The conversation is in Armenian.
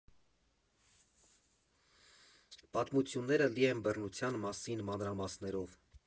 Պատմությունները լի են բռնության մասին մանրամասներով։